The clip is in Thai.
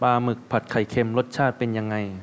ปลาหมึกผัดไข่เค็มรสชาติเป็นยังไง